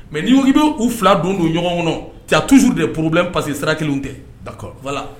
Mais ni ko ki bɛ u fila don don ɲɔgɔn kɔnɔ tu as toujours des problèmes. Parceque sira kelenw tɛ . D'accord. Voilà.